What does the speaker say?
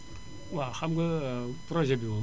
waaw xam nga projet bi moom